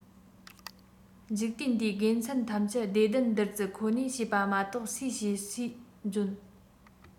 འཇིག རྟེན འདིའི དགེ མཚན ཐམས ཅད བདེ ལྡན བདུད རྩི ཁོ ནས བྱས པ མ གཏོགས སུས བྱས སུས འཇོན